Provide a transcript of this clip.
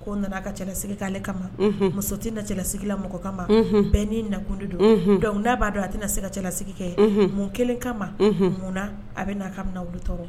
Ko nana ka cɛlasigi'ale kama muso tɛ cɛlalasigila mɔgɔ kamama bɛn n' nakundi don dɔnku n'a b'a dɔn a tɛna se ka cɛlalasigi kɛ mun kelen kama mun a bɛ n'a ka wuli tɔɔrɔ